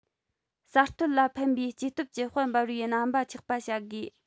གསར གཏོད ལ ཕན པའི སྐྱེ སྟོབས ཀྱི དཔལ འབར བའི རྣམ པ ཆགས པ བྱ དགོས